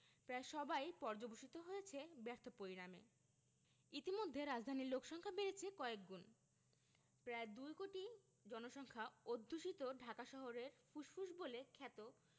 প্রায় সবই পর্যবসিত হয়েছে ব্যর্থ পরিণামে ইতোমধ্যে রাজধানীর লোকসংখ্যা বেড়েছে কয়েকগুণ প্রায় দুকোটি জনসংখ্যা অধ্যুষিত ঢাকা শহরের ফুসফুস বলে খ্যাত